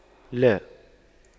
لا